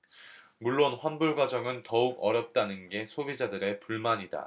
물론 환불과정은 더욱 어렵다는 게 소비자들의 불만이다